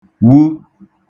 wu